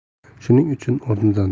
shuning uchun o'rnidan